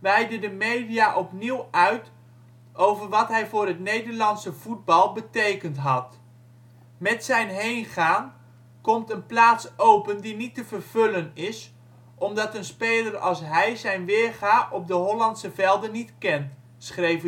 wijdde de media opnieuw uit over wat hij voor het Nederlandse voetbal betekend had. " Met zijn heengaan komt een plaats open, die niet te vervullen is, omdat een speler als hij zijn weerga op de Hollandse velden niet kent " schreef